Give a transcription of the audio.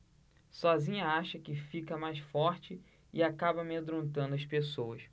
sozinha acha que fica mais forte e acaba amedrontando as pessoas